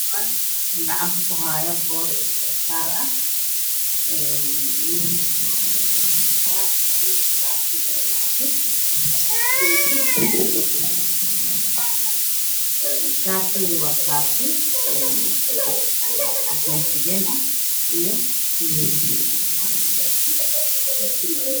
Niman gacanta ku haayo boor boo-boor ah midka usoo horeeyo wuxuu wataa suud shaati garawaati io koofi shaatiga waa shaati cadeys cadeys ah garwaatiga waa giriin suudkana waa madow